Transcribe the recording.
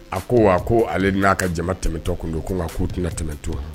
A ko wa ko ale n' ka jama tɛmɛtɔ kun don ko nka' tɛna tɛmɛ to